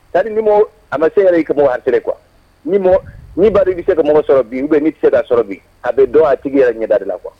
Da ni a ma se yɛrɛ' kama a tɛre kuwa ni mɔ ni bari i bɛ se ka mɔgɔ sɔrɔ bi bɛ ni tɛ se da sɔrɔ bi a bɛ dɔn a tigiya ɲɛdari la kuwa